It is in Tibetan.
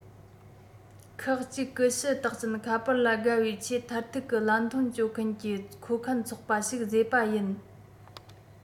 ཁག གཅིག ཀུ ཤུ རྟགས ཅན ཁ པར ལ དགའ བའི ཆེད མཐར ཐུག གི ལན ཐུང སྤྱོད མཁན གྱི མཁོ མཁན ཚོགས པ ཞིག བཟོས པ ཡིན